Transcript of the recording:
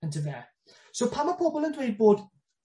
Yndyfe? So pan ma' pobol yn dweud bod